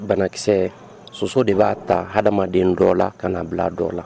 Banakisɛ soso de b'a ta adamaden dɔ la ka bila dɔ la